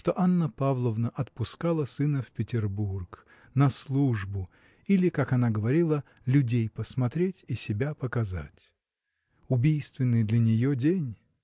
что Анна Павловна отпускала сына в Петербург на службу или как она говорила людей посмотреть и себя показать. Убийственный для нее день!